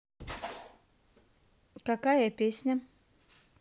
какая песня